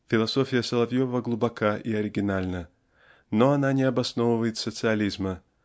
Философия Соловьева глубока и оригинальна, но она не обосновывает . социализма